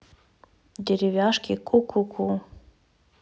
деревяшки ку ку ку